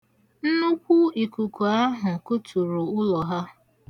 Nnukwu ikuku ahụ kụturu ụlọ ha.